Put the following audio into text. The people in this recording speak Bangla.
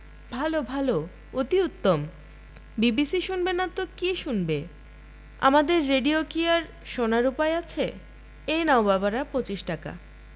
ভাল ভাল অতি উত্তম বিবিসি শুনবেনা তো কি শুনবে ‘আমাদের রেডিও কি আর শোনার উপায় আছে এই নাও বাবার পঁচিশ টাকা